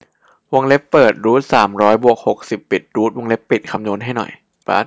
วงเล็บเปิดรูทสามร้อยบวกหกสิบปิดรูทวงเล็บปิดคำนวณให้หน่อย